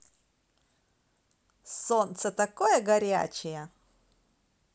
солнце такое горячее